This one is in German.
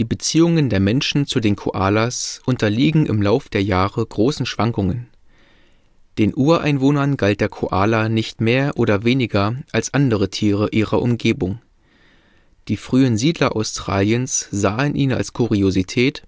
Die Beziehungen der Menschen zu den Koalas unterliegen im Lauf der Jahre großen Schwankungen. Den Ureinwohnern galt der Koala nicht mehr oder weniger als andere Tiere ihrer Umgebung. Die frühen Siedler Australiens sahen ihn als Kuriosität